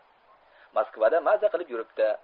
moskvada maza qilib yuribdi